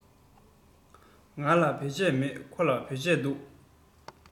ང ལ བོད ཆས མེད ཁོ ལ བོད ཆས འདུག